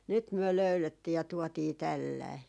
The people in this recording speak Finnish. nyt me löydettiin ja tuotiin tällainen